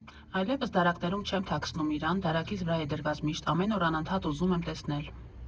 Այլևս դարակներում չեմ թաքցնում իրան, դարակիս վրա է դրված միշտ, ամեն օր անընդհատ ուզում եմ տեսնել։